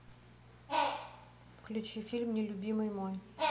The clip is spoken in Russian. включи фильм нелюбимый мой